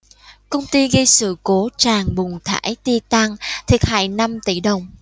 công ty gây sự cố tràn bùn thải titan thiệt hại năm tỷ đồng